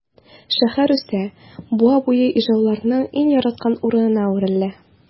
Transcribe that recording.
Шәһәр үсә, буа буе ижауларның иң яраткан урынына әверелә.